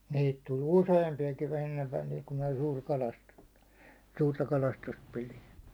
niitä tuli useampiakin ennen välillä kun minä suurta kalastusta suurta kalastusta pidin